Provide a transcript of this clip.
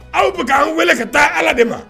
Aw bɛ kɛ an wele ka taa ala de ma